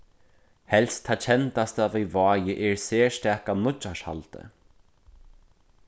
helst tað kendasta við vági er serstaka nýggjárshaldið